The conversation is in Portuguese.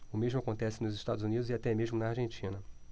o mesmo acontece nos estados unidos e até mesmo na argentina